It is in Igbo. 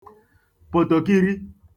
Pòtòkiri